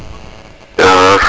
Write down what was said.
axa